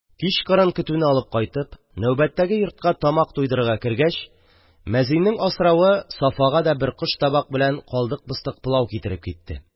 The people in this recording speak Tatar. Кичкырын, көтүне алып кайтып, нәүбәттәге йортка тамак туйдырырга кергәч, мәзиннең асравы Сафага да бер коштабак белән калдык-постык пылау китереп китте.